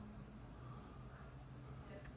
Կոմիտեի տղաներին բանտարկել են։